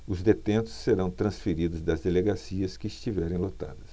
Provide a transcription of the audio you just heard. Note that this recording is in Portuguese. os detentos serão transferidos das delegacias que estiverem lotadas